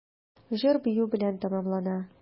Җыр-бию белән тәмамлана.